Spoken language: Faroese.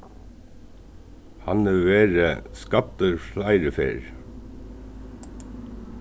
hann hevur verið skaddur fleiri ferðir